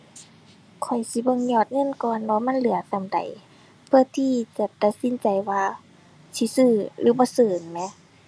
ข้อยสิเบิ่งยอดเงินก่อนว่ามันเหลือส่ำใด เพื่อที่จะตัดสินใจว่าสิซื้อหรือบ่ซื้อนั่นแหม